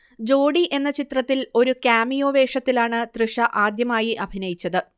ജോഡി എന്ന ചിത്രത്തിൽ ഒരു കാമിയോ വേഷത്തിലാണ് തൃഷ ആദ്യമായി അഭിനയിച്ചത്